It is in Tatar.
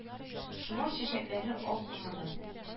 Шомырт чәчәкләре ак кына да